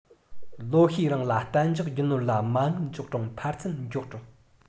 ལོ ཤས རིང ལ གཏན འཇགས རྒྱུ ནོར ལ མ དངུལ འཇོག གྲངས འཕར ཚད མགྱོགས དྲགས